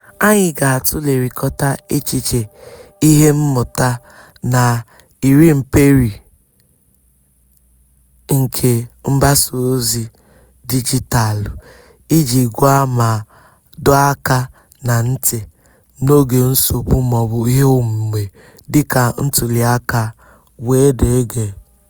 Anyị ga-atụlerịkọta echiche, ihe mmụta na iri mperi nke mgbasaozi dijitaalụ iji gwa ma dọọ aka na ntị n'oge nsogbu maọbụ iheomume (dịka ntuliaka wdg...).